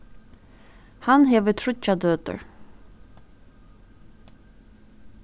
hann hevur tríggjar døtur